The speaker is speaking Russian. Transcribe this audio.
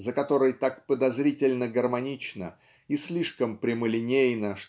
за которой так подозрительно гармонично и слишком прямолинейно